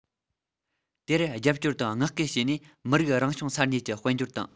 དེར རྒྱབ སྐྱོར དང བསྔགས བསྐུལ བྱས ནས མི རིགས རང སྐྱོང ས གནས ཀྱི དཔལ འབྱོར དང